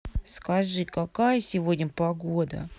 скажи какая сегодня погода